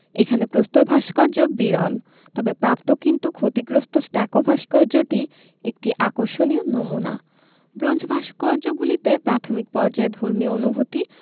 এখানে প্রস্তর ভাস্কর্য বিরল তবে প্রাপ্ত কিন্তু ক্ষতিগ্রস্ত স্টাকো ভাস্কর্যটি একটি আকর্ষণীয় নমুনা ব্রোঞ্জ ভাস্কর্যগুলিতে প্রাথমিক পর্যায়ে ধর্মীয় অনুভূতি